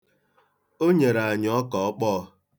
O nyere anyị ọka ọkpọọ.